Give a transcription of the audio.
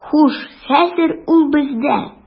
Хуш, хәзер ул бездә.